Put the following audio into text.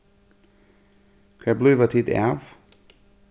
hvar blíva tit av